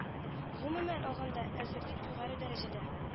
Гомумән алганда әзерлек югары дәрәҗәдә